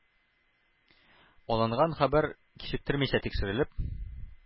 Алынган хәбәр кичектермичә тикшерелеп,